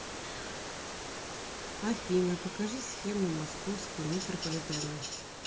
афина покажи схему московского метрополитена